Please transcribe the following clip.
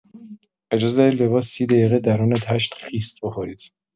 اجازه دهید لباس ۳۰ دقیقه درون تشت خیس بخورید.